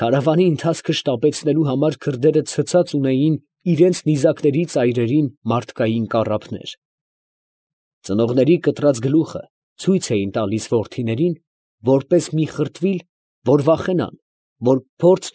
Քարավանի ընթացքը շտապեցնելու համար քրդերը ցցած ունեին իրանց նիզակների ծայրերին մարդկային կառափներ. ծնողների կտրած գլուխը ցույց էին տալիս որդիներին, որպես մի խրտվիլ, որ վախենան, որ փորձ։